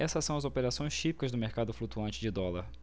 essas são as operações típicas do mercado flutuante de dólar